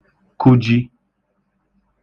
kụji